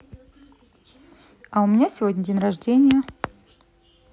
а у меня сейчас день рождения